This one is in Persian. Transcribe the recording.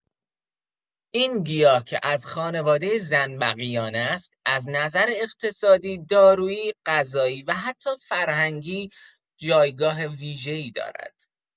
این گیاه که از خانواده زنبقیان است، از نظر اقتصادی، دارویی، غذایی و حتی فرهنگی جایگاه ویژه‌ای دارد.